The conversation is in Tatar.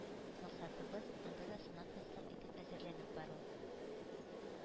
Максатыбыз – анда да сынатмаслык итеп әзерләнеп бару.